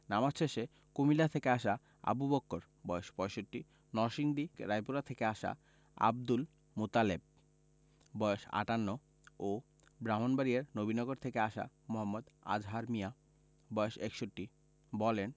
নামাজ শেষে কুমিল্লা থেকে আসা আবু বক্কর বয়স ৬৫ নরসিংদী রায়পুরা থেকে আসা আবদুল মোতালেব বয়স ৫৮ ও ব্রাহ্মণবাড়িয়ার নবীনগর থেকে আসা মো. আজহার মিয়া বয়স ৬১ বলেন